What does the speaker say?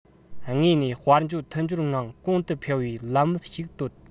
དངོས གནས དཔལ འབྱོར མཐུན སྦྱོར ངང གོང དུ འཕེལ བའི ལམ བུ ཞིག གཏོད